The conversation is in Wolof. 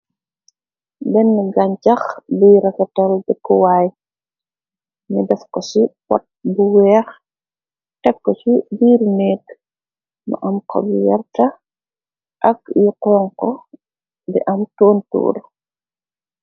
Benn gañcax birafatol bekuwaay ni def ko ci pot bu weex tekko. Ci biir neet na am xob yerta ak yu xon ko di am toontuur.